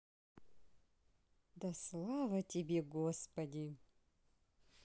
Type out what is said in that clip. да слава тебе господи